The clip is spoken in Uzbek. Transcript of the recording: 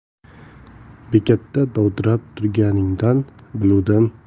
bekatda dovdirab turganingdan biluvdim